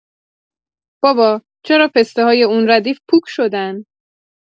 بابا، چرا پسته‌های اون ردیف پوک شدن؟